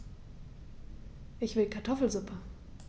Ich will Kartoffelsuppe.